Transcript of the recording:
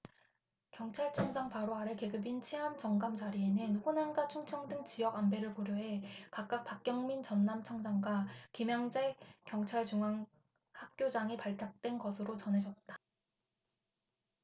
경찰청장 바로 아래 계급인 치안정감 자리에는 호남과 충청 등 지역 안배를 고려해 각각 박경민 전남청장과 김양제 경찰중앙학교장이 발탁된 것으로 전해졌다